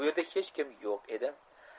bu yerda hech kim yo'q edi